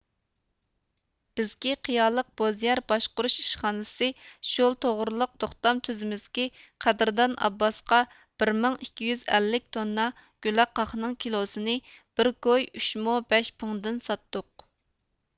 بىزكى قىيالىق بوزيەر باشقۇرۇش ئىشخانىسى شول توغرۇلۇق توختام تۈزىمىزكى قەدىردان ئابباسقا بىر مىڭ ئىككى يۈز ئەللىك توننا گۈلە قاقنىڭ كىلوسىنى بىر كوي ئۈچ مو بەش پۇڭدىن ساتتۇق